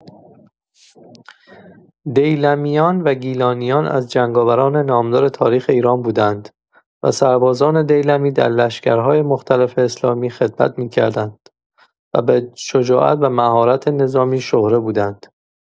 دیلمیان و گیلانیان از جنگاوران نامدار تاریخ ایران بودند و سربازان دیلمی در لشکرهای مختلف اسلامی خدمت می‌کردند و به شجاعت و مهارت نظامی شهره بودند.